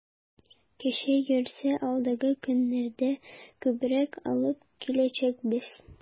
Кеше йөрсә, алдагы көннәрдә күбрәк алып киләчәкбез.